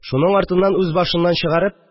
Шуның артыннан үз башыннан чыгарып